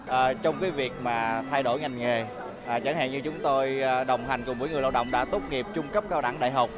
ờ trong cái việc mà thay đổi ngành nghề à chẳng hạn như chúng tôi đồng hành cùng với người lao động đã tốt nghiệp trung cấp cao đẳng đại học